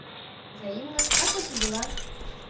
взаимно как ваши дела